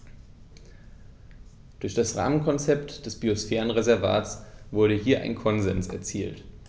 Durch das Rahmenkonzept des Biosphärenreservates wurde hier ein Konsens erzielt.